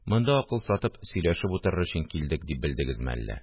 Монда акыл сатып, сөйләшеп утырыр өчен килдек дип белдегезме әллә